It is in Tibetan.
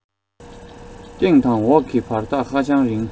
སྟེང དང འོག གི བར ཐག ཧ ཅང རིང